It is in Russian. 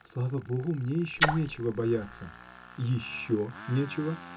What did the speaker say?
— Слава Богу, мне еще нечего бояться. — Еще нечего?